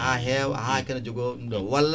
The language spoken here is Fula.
ha heewa ha kene joogo ɗum ɗo walla